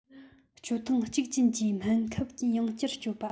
སྤྱོད ཐེངས གཅིག ཅན གྱི སྨན ཁབ ཡང བསྐྱར སྤྱོད པ